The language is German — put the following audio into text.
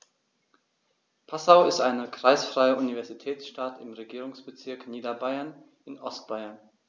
Passau ist eine kreisfreie Universitätsstadt im Regierungsbezirk Niederbayern in Ostbayern.